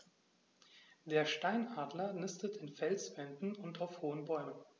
Der Steinadler nistet in Felswänden und auf hohen Bäumen.